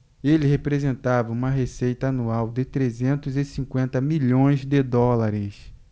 ele representava uma receita anual de trezentos e cinquenta milhões de dólares